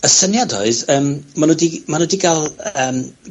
Y syniad oedd yym ma' nw 'di, ma' nw 'di ga'l yym